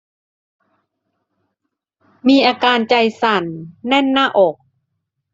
มีอาการใจสั่นแน่นหน้าอก